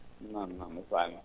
noon noon mi faamii